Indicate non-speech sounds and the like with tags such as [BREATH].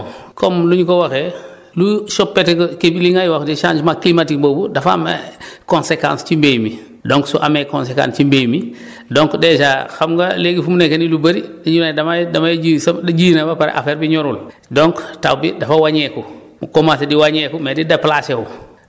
bon comme ni ñu ko waxee du soppeeku kii bi dinaay wax ne changement climatique boobu dafa am [HESITATION] conséquence ci mbéy mi donc su amee conséquence ci mbéy mi [BREATH] donc dèjà xam nga léegi fu mu nekk nii lu bëri dañu ne damay damay jiw sa ji na ba pare affaire bi ñorul donc taw bi dafa wàññeeku mu commencé di wàññeeku mais déclenché wu